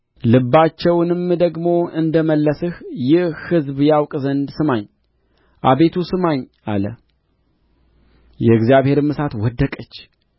ልባቸውንም ደግሞ እንደ መለስህ ይህ ሕዝብ ያውቅ ዘንድ ስማኝ አቤቱ ስማኝ አለ የእግዚአብሔርም እሳት ወደቀች